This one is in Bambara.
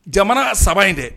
Jamana saba in dɛ